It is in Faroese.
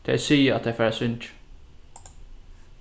tey siga at tey fara at syngja